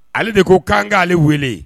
Ale de ko kangaale wele